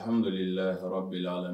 Hadu' la b la